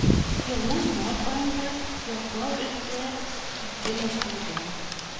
Елның март аенда, яклау эзләп, киттем мәскәүгә